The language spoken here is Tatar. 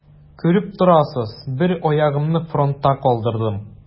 Күреп торасыз: бер аягымны фронтта калдырдым.